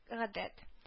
Гадәт